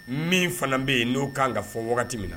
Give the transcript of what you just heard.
Min fana bɛ yen n'o kan ka fɔ wagati min na